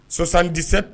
Sonsan dɛsɛse